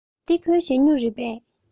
འདི ཁོའི ཞ སྨྱུག རེད པས